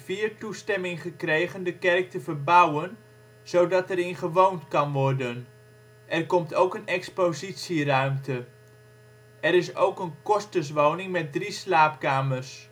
2004 toestemming gekregen de kerk te verbouwen zodat er in gewoond kan worden. Er komt ook een expositieruimte. Er is ook een kosterswoning met drie slaapkamers